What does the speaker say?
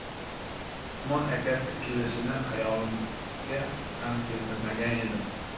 usmon akasi kelishini xayolimga ham keltirmagan edim